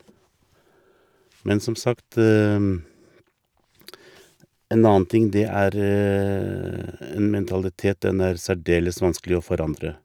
Men som sagt, en annen ting det er, en mentalitet, den er særdeles vanskelig å forandre.